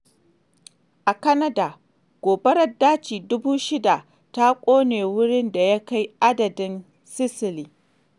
A Canada, gobarar daji 6,000 ta ƙone wurin da ya kai adadin Sicily.